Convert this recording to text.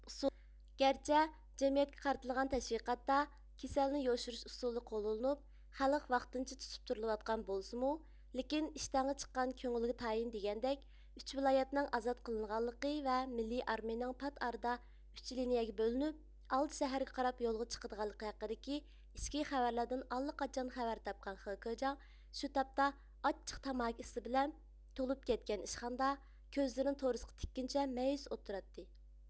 گەرچە جەمئىيەتكە قارىتىلغان تەشۋىقاتتا كېسەلنى يوشۇرۇش ئۇسۇلى قوللىنىلىپ خەلق ۋاقتىنچە تۇتۇپ تۇرۇلۇۋاتقان بولسىمۇ لېكىن ئىشتانغا چىققان كۆڭۈلگە تايىن دېگەندەك ئۈچ ۋىلايەتنىڭ ئازاد قىلىنغانلىقى ۋە مىللىي ئارمىيىنىڭ پات ئارىدا ئۈچ لىنىيىگە بۆلۈنۈپ ئالتە شەھەرگە قاراپ يولغا چىقىدىغانلىقى ھەققىدىكى ئىچكى خەۋەرلەردىن ئاللىقاچان خەۋەر تاپقان خېكېجاڭ شۇ تاپتا ئاچچىق تاماكا ئىسى بىلەن تولۇپ كەتكەن ئىشخانىدا كۆزلىرىنى تۇرۇسقا تىككىنىچە مەيۈس ئولتۇراتتى